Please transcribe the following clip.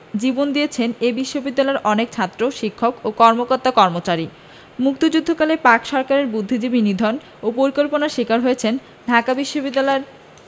জীবন দিয়েছেন এ বিশ্ববিদ্যালয়ের অনেক ছাত্র শিক্ষক ও কর্মকর্তা কর্মচারী মুক্তিযুদ্ধকালে পাক সরকারের বুদ্ধিজীবী নিধন পরিকল্পনার শিকার হয়েছেন ঢাকা বিশ্ববিদ্যালয়ের